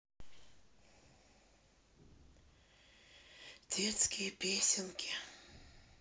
детские песенки